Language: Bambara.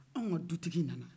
anw ka dutigi nana